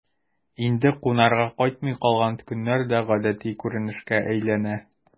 Инде кунарга кайтмый калган көннәр дә гадәти күренешкә әйләнә...